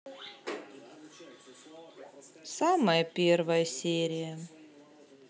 самая первая серия